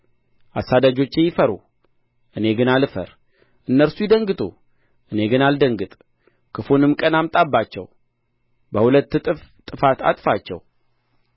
አሳዳጆቼ ይፈሩ እኔ ግን አልፈር እነርሱ ይደንግጡ እኔ ግን አልደንግጥ ክፉንም ቀን አምጣባቸው በሁለት እጥፍ ጥፋት አጥፋቸው